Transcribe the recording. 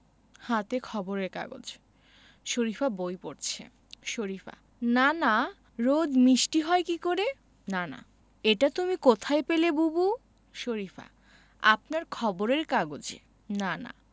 হাতে খবরের কাগজ শরিফা বই পড়ছে শরিফা নানা রোদ মিষ্টি হয় কী করে নানা এটা তুমি কোথায় পেলে বুবু শরিফা আপনার খবরের কাগজে নানা